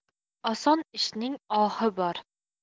oson ishning ohi bor